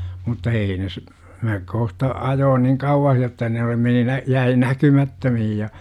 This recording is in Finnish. mutta ei ne - minä kohta ajoin niin kauas jotta ne oli meni - jäi näkymättömiin ja